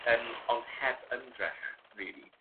yn ond heb ymdrech rili.